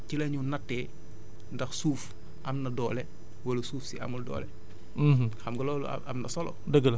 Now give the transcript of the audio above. te partie organique boobu noonu ci la ñu nattee ndax suuf am na doole wala suuf si amul doole